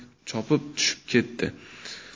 chopib tushib ketdi